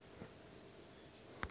танцуют токе тренд